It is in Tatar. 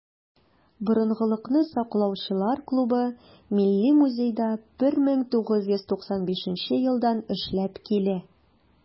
"борынгылыкны саклаучылар" клубы милли музейда 1995 елдан эшләп килә.